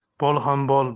bol ham bol